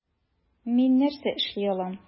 Мин нәрсә эшли алам?